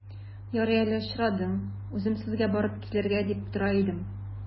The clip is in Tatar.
Ярый әле очрадың, үзем сезгә барып килергә дип тора идем.